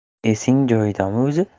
esing joyidami o'zi